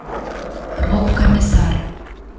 rob комиссар